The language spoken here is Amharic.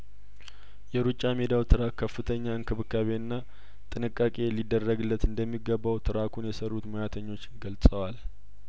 የሩጫ ሜዳው ትራክ ከፍተኛ እንክብካቤና ጥንቃቄ ሊደረግለት እንደሚገባው ትራኩን የሰሩት ሙያተኞች ገልጸዋል